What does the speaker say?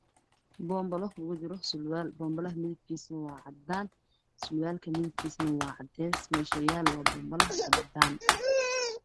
Boombalo ugu jiro surwaal boombalaha midabkiisa waa cadaan surwaalka midabkiisuna waa cadays meeshuu yaalo boombala waa cadaan.